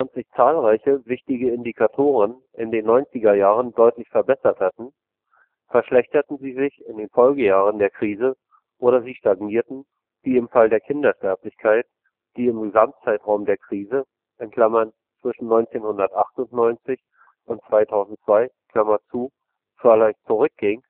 sich zahlreiche wichtige Indikatoren in den 90er Jahren deutlich verbessert hatten, verschlechterten sie sich in den Folgejahren der Krise oder sie stagnierten, wie im Fall der Kindersterblichkeit, die im Gesamtzeitraum der Krise (zwischen 1998 und 2002) zwar leicht zurückging